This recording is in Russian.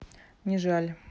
не жаль